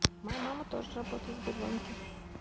моя мама тоже работает в сбербанке